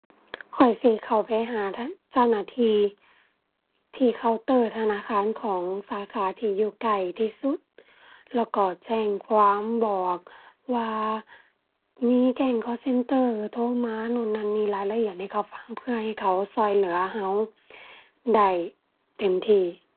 ข้อยสิเข้าไปหาทางเจ้าหน้าที่ที่เคาน์เตอร์ธนาคารของสาขาที่อยู่ใกล้ที่สุด แล้วก็แจ้งความบอกว่ามีแก๊ง call center โทรมา นู้น นั้น นี้ รายละเอียดให้เขาฟังเพื่อให้เขาช่วยเหลือช่วยได้เต็มที่